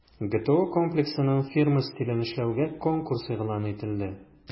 ГТО Комплексының фирма стилен эшләүгә конкурс игълан ителде.